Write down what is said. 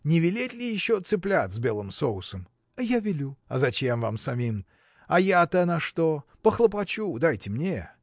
Не велеть ли еще цыплят с белым соусом? – Я велю. – Зачем вам самим? а я-то на что? похлопочу. дайте мне.